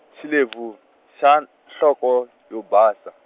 Xilebvu, xa n-, nhloko yo basa.